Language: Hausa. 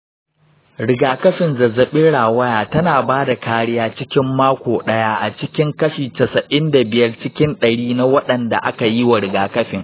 rigakafin zazzabin rawaya tana ba da kariya cikin mako ɗaya a cikin kashi casa’in da biyar cikin ɗari na waɗanda aka yi wa rigakafin.